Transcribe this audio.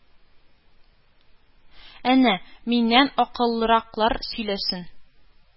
Әнә, миннән акыллыраклар сөйләсен